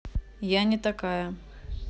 я не такая